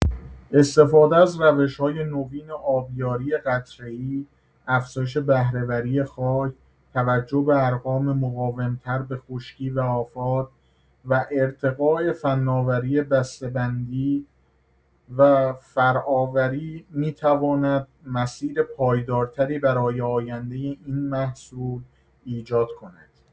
استفاده از روش‌های نوین آبیاری قطره‌ای، افزایش بهره‌وری خاک، توجه به ارقام مقاوم‌تر به خشکی و آفات، و ارتقای فناوری بسته‌بندی و فرآوری می‌تواند مسیر پایدارتری برای آینده این محصول ایجاد کند.